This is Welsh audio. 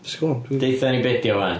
Disgwyl wan... Deutha ni be 'di o wan?